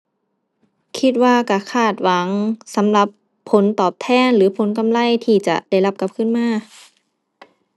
คิดว่าก็คาดหวังสำหรับผลตอบแทน หรือผลกำไรที่จะได้รับกลับคืนมา